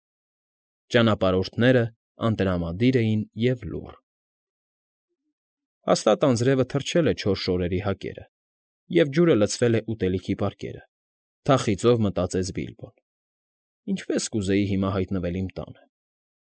Ճանապարհորդներն անտրամադիր էին և լուռ։ «Հաստատ անձրևը թրջել է չոր շորերի հակերը և ջուրը լցել է ուտելիքի պարկերը, ֊ թախիծով մտածեց Բիլբոն։֊ Ինչպես կուզեի հիմա հայտնվել իմ տանը։